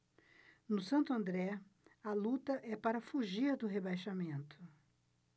no santo andré a luta é para fugir do rebaixamento